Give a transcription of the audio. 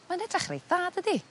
mae'n edrach reit dda dydi?